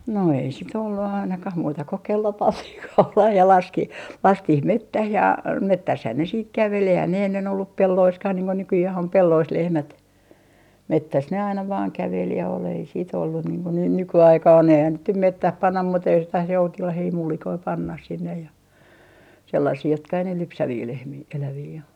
no ei sitten ollut ainakaan muuta kuin kello pantiin kaulaan ja laski laskettiin metsään ja metsässähän ne sitten käveli eihän ne ennen ollut pelloissakaan niin kuin nykyään on pelloissa lehmät metsässä ne aina vain käveli ja oli ei sitten ollut niin kuin ne nykyaikaan eihän niitä nyt metsään panna muuta jos taas joutilaita mullikoita pannaan sinne ja sellaisia jotka ei ne lypsäviä lehmiä eläviä ole